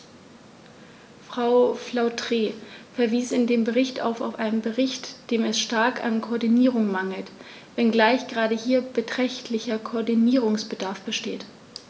Frau Flautre verwies in ihrem Bericht auch auf einen Bereich, dem es stark an Koordinierung mangelt, wenngleich gerade hier beträchtlicher Koordinierungsbedarf besteht.